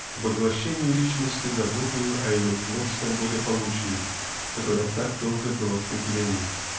к поглощению личности заботою о ее плотском благополучии которое так долго было в. презрении.